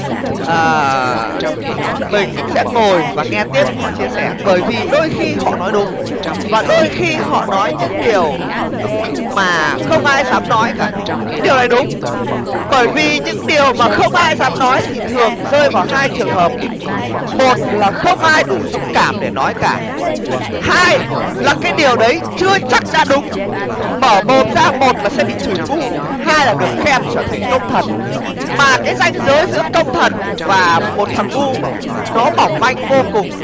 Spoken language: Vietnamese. à mình sẽ ngồi và nghe tiếp họ chia sẻ bởi vì đôi khi họ nói đúng và đôi khi họ nói những điều mà không ai dám nói cả điều này đúng bởi vì những điều mà không ai dám nói thì thường rơi vào hai trường hợp một là không ai đủ dũng cảm để nói cả hai là cái điều đấy chưa chắc đã đúng mở mồm ra một là sẽ bị chửi ngu hai là được khen trở thành công thần mà cái ranh giới giữa công thần và một thằng ngu nó mỏng manh vô cùng